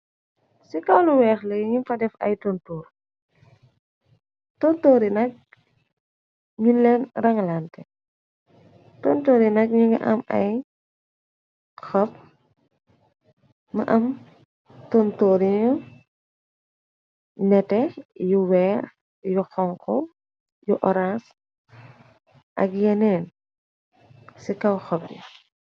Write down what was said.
Ci kawlu weexle ñu fa def ay tontoor tontoori nak ñuñ leen rang lante tontoori nag ñu nga am ay xob ma am tontooriu nete yu weex yu xonko yu orang ak yeneen ci kaw xob yi.